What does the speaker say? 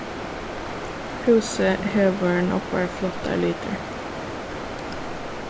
húsið hevur nógvar flottar litir